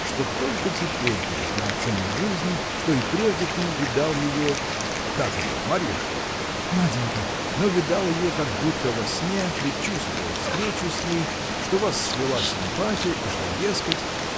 что только теперь ты узнал цену жизни что и прежде ты видал ее. как ее? Марья, что ли? – Наденька. – Но видал как будто во сне предчувствовал встречу с ней что вас свела симпатия и что дескать